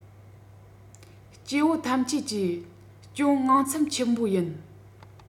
སྐྱེ བོ ཐམས ཅད ཀྱིས ཅུང དངངས ཚབ ཆེན པོ ཡིན